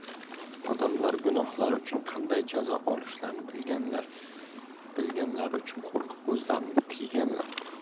odamlar gunohlari uchun qanday jazo olishlarini bilganlar bilganlari uchun qo'rqib o'zlarini tiyganlar